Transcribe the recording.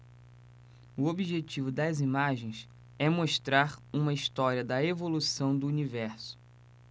o objetivo das imagens é mostrar uma história da evolução do universo